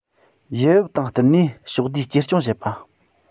ཡུལ བབ དང བསྟུན ནས ཕྱོགས བསྡུས བཅོས སྐྱོང བྱེད པ